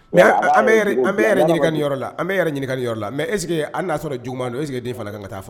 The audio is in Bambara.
An ɲini yɔrɔ la an bɛ ɲini yɔrɔ la mɛ e an y'a sɔrɔ juma don e sigi den fana kan ka taa fɔ